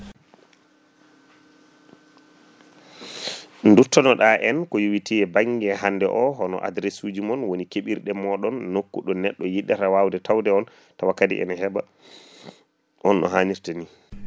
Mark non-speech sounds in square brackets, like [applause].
* duttono ɗa en ko yowiti e banggue hande o hono adresse suji mon woni keɓɓirɗe moɗon nokku ɗo neɗɗo yiɗata wawde tawde on tawa kaadi ene heɓa [inhales] [smacks lips] on no hannirta ni